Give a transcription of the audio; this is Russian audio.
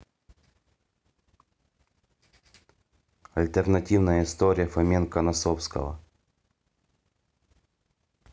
альтернативная история фоменко носовского